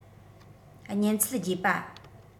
གཉན ཚད རྒྱས པ